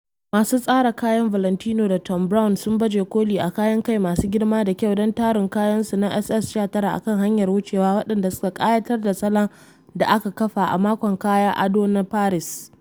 Masu tsara kaya Valentino da Thom Browne sun baje-koli wa kayan kai masu girma da kyau don tarun kayansu na SS19 a kan hanyar wucewa waɗanda suka ƙayatar da salon da aka kafa a Makon Kayan Ado na Paris.